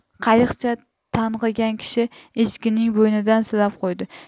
qiyiqcha tang'igan kishi echkining bo'ynidan silab qo'ydi